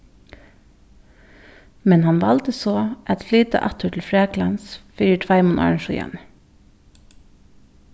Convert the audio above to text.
men hann valdi so at flyta aftur til fraklands fyri tveimum árum síðani